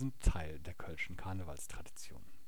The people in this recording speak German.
Teil der kölschen Karnevalstradition